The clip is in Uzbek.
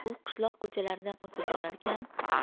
u qishloq ko'chalaridan o'tib borarkan